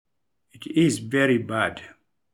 It Is Very Bad.